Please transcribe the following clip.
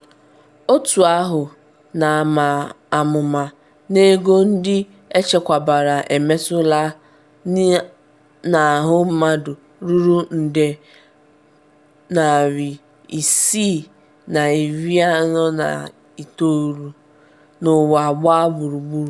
Otu ahụ na-ama amụma n’ego ndị echekwabara emetụtala n’ahụ mmadụ ruru nde 649 n’ụwa gbaa gburugburu.